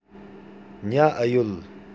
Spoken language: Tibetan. ཉལ འུ ཡོད